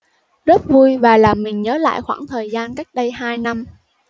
rất vui và làm mình nhớ lại khoảng thời gian cách đây hai năm